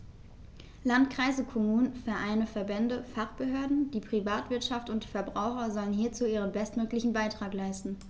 Landkreise, Kommunen, Vereine, Verbände, Fachbehörden, die Privatwirtschaft und die Verbraucher sollen hierzu ihren bestmöglichen Beitrag leisten.